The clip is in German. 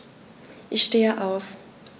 Ich stehe auf.